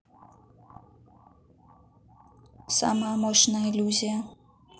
самая мощная иллюзия